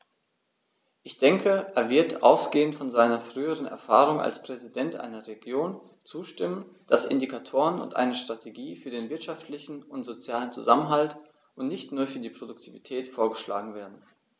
Ich denke, er wird, ausgehend von seiner früheren Erfahrung als Präsident einer Region, zustimmen, dass Indikatoren und eine Strategie für den wirtschaftlichen und sozialen Zusammenhalt und nicht nur für die Produktivität vorgeschlagen werden.